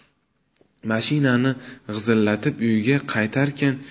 mashinani g'izillatib uyga qaytarkan